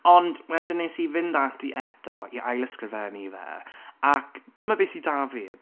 Ond, wedyn wnes i fynd ati eto, i ailysgrifennu fe, ac, dyma be sy 'da fi.